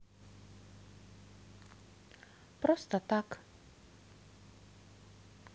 просто так